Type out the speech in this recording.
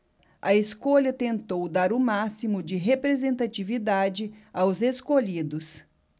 a escolha tentou dar o máximo de representatividade aos escolhidos